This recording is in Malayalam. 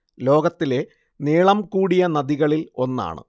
ലോകത്തിലെ നീളം കൂടിയ നദികളിൽ ഒന്നാണ്